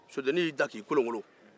sodennin y'i da k'i kolonkolon